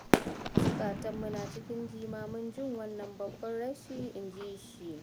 "Zukatanmu na cikin jimamin jin wannan labarin," in ji shi.